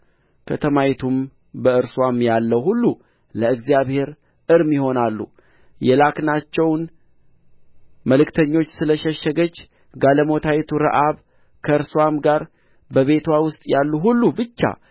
ከተማይቱም በእርስዋም ያለው ሁሉ ለእግዚአብሔር እርም ይሆናሉ የላክናቸውን መልክተኞች ስለ ሸሸገች ጋለሞታይቱ ረዓብ ከእርስዋም ጋር በቤትዋ ውስጥ ያሉ ሁሉ ብቻ